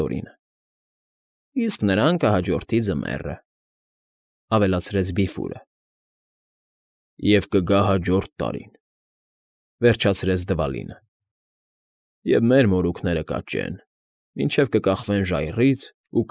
Տորինը։ ֊ Իսկ նրան կհաջորդի ձմեռը,֊ ավելացրեց Բիֆուրը։ ֊ Եվ կգա հաջորդ տարին,֊ վերջացրեց Դվալինը,֊ և մեր մորուքները կաճեն, մինչև կկախվեն ժայռից ու։